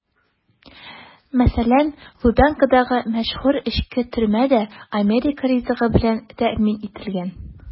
Мәсәлән, Лубянкадагы мәшһүр эчке төрмә дә америка ризыгы белән тәэмин ителгән.